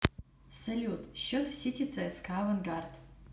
салют счет в сити цска авангард